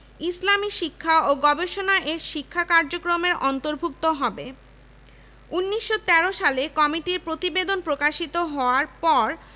২৪৩ একর ভূমি বিশ্ববিদ্যালয়ের জন্য নির্ধারিত হয় কার্জন হল ঢাকা কলেজ নতুন সরকারি ভবন